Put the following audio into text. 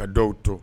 A dɔw to